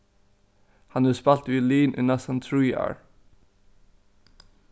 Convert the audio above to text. hann hevur spælt violin í næstan trý ár